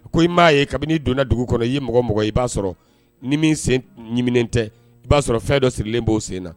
Ko i m'a ye kabini donna dugu kɔnɔ i ye mɔgɔ mɔgɔ i b'a sɔrɔ ni min sen ɲaen tɛ i b'a sɔrɔ fɛn dɔ sirilen b'o sen na